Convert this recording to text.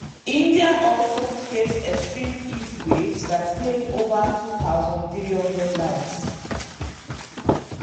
India also faced extreme heat waves that claimed over 2,300 lives.